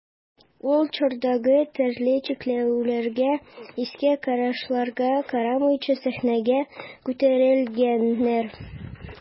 Ул чордагы төрле чикләүләргә, иске карашларга карамыйча сәхнәгә күтәрелгәннәр.